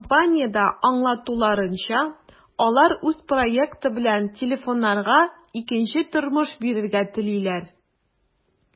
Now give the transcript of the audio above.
Компаниядә аңлатуларынча, алар үз проекты белән телефоннарга икенче тормыш бирергә телиләр.